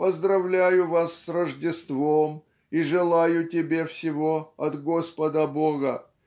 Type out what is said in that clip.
Поздравляю вас с Рождеством и желаю тебе всего от Господа Бога.